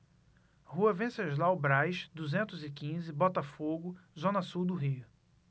rua venceslau braz duzentos e quinze botafogo zona sul do rio